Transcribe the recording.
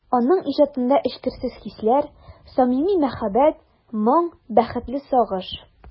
Аның иҗатында эчкерсез хисләр, самими мәхәббәт, моң, бәхетле сагыш...